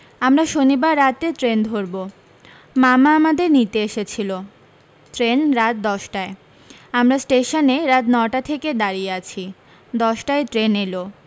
আমরা শনিবার রাতে ট্রেন ধরবো মামা আমাদের নিতে এসে ছিল ট্রেন রাত দশটায় আমরা ষ্টেশনে রাত নটা থেকে দাঁড়িয়ে আছি দশটায় ট্রেন এলো